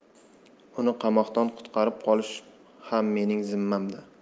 uni qamoqdan qutqarib qolish ham mening zimmamda